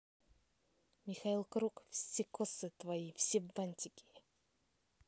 михаил круг все косы твои все бантики